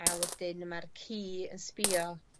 A wedyn y ma'r ci yn sbïo